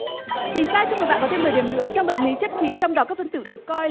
chính xác chúc mừng bạn có thêm mười điểm nữa trong vật lý chất khí trong đó các phân tử được coi là